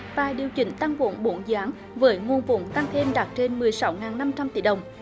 và điều chỉnh tăng vốn bốn dáng vởi nguồn vốn tăng thêm đạt trên mười sáu ngàn năm trăm tỷ đồng